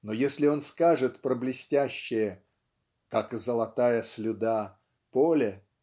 Но если он скажет про блестящее "как золотая слюда" поле